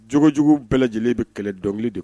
Jojugu bɛɛ lajɛlen bɛ kɛlɛ dɔnkili de